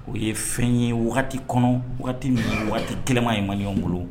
O ye fɛn ye wagati kɔnɔ waati min ye waati kelenma ye mali ɲɔgɔn bolo